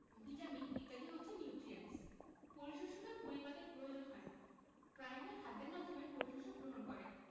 vitamin ইত্যাদি হচ্ছে nutrients পরিশোষকের পরিপাকের প্রয়োজন হয় না প্রাণীরা খাদ্যের মাধ্যমে পরিশোষক গ্রহণ করে